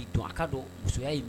Dɔn a ka don muso ye